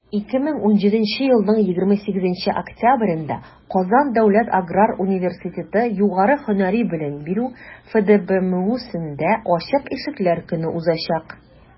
2017 елның 28 октябрендә «казан дәүләт аграр университеты» югары һөнәри белем бирү фдбмусендә ачык ишекләр көне узачак.